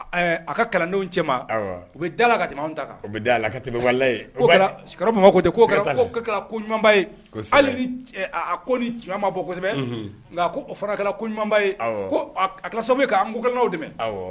A ka kalandenw cɛ ma u bɛ dala ka tɛmɛ ta kan u bɛ la tɛmɛla ko ko koba hali a ko ni tiɲɛ ma bɔ kosɛbɛ nka o fana koɲumanba ye ko a ka so k'an ko gɛlɛnlaw dɛmɛ